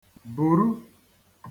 bùru